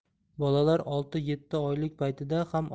bolalar olti yetti oylik paytida ham